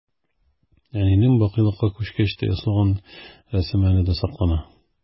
Әнинең бакыйлыкка күчкәч тә ясалган рәсеме әле дә саклана.